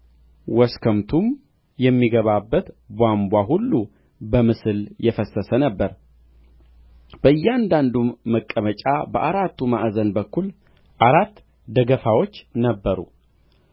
ወስከምቱም የሚገባበት ቧምቧ ሁሉ በምስል የፈሰሰ ነበር በእያንዳንዱም መቀመጫ በአራቱ ማዕዘን በኩል አራት ደገፋዎች ነበሩ